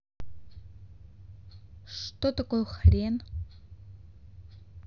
что такое хрен